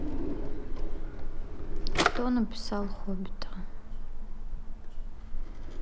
кто написал хоббита